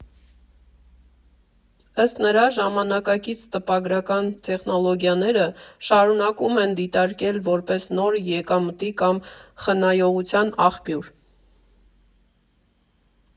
Ըստ նրա՝ ժամանակակից տպագրական տեխնոլոգիաները շարունակվում են դիտարկվել որպես նոր եկամտի կամ խնայողության աղբյուր։